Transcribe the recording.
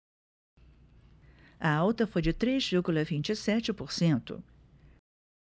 a alta foi de três vírgula vinte e sete por cento